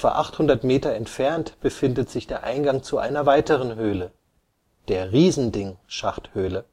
800 m entfernt befindet sich der Eingang einer weiteren Höhle, der Riesending-Schachthöhle